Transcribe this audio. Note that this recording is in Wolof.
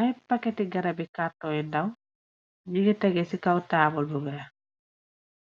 Ay pakati garab bi kàrtoyi ndaw ñi ngi tegee ci kaw taabal bu weex.